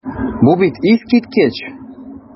Бу бит искиткеч!